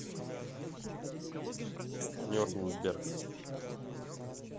нюрнберг